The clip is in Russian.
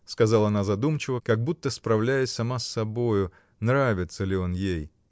— сказала она задумчиво, как будто справляясь сама с собою, нравится ли он ей.